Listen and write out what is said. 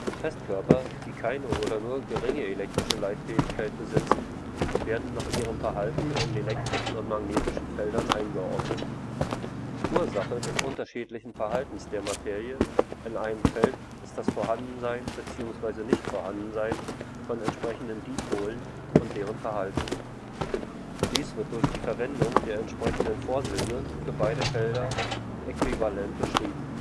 Festkörper, die keine oder nur geringe elektrische Leitfähigkeit besitzen, werden nach ihrem Verhalten in elektrischen und magnetischen Feldern eingeordnet. Ursache des unterschiedlichen Verhaltens der Materie in einem Feld ist das Vorhandensein bzw. Nicht-Vorhandensein von entsprechenden Dipolen und deren Verhalten. Dies wird durch die Verwendung der entsprechenden Vorsilbe für beide Felder äquivalent beschrieben